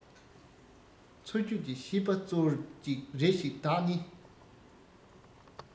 འཚོ བཅུད ཀྱི ཤིས པ སྩོལ ཅིག རེ ཞིག བདག ནི